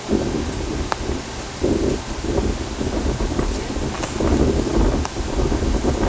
это к чему